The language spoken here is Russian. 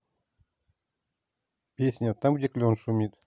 песня там где клен шумит